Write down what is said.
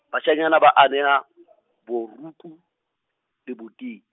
bashanyana ba aneha, boroku leboteng.